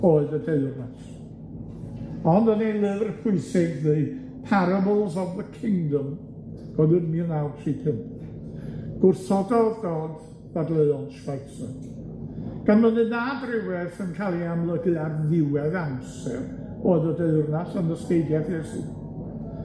oedd y deyrnas, ond yn ei lyfr pwysig, neu Parables of the Kingdom, o'dd yn miwn naw tri pump gwrthododd Dodd dadleuon Schweitzer, gan mynnu nad rywedd sy'n ca'l ei amlygu ar ddiwedd amser o'dd y deyrnas yn nysgeidiaeth Iesu.